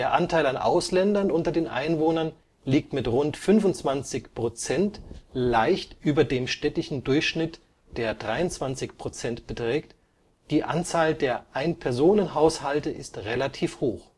Anteil an Ausländern unter den Einwohnern liegt mit rund 25 Prozent leicht über dem städtischen Durchschnitt (zirka 23 Prozent), die Anzahl der Einpersonenhaushalte ist relativ hoch